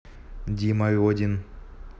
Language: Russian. дима родин